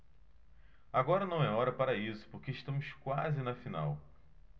agora não é hora para isso porque estamos quase na final